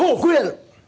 hổ quyền